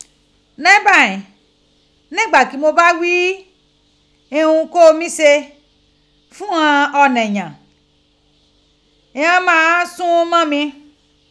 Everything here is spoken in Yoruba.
Ní bághin, nígbà kí mo bá mi ghi ihun kí mò mi ṣe fún ighan èèyàn, ighan máa ń sún mọ́ mi.